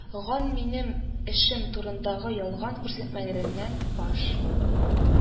Ган минем «эше»м турындагы ялган күрсәтмәләреннән баш